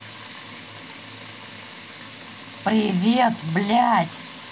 привет блядь